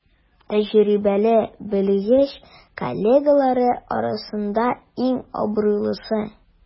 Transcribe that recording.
Тәҗрибәле белгеч коллегалары арасында иң абруйлысы.